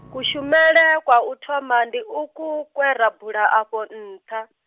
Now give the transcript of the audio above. kushumele kwa u thoma ndi uku kwe ra bula afho nṱha.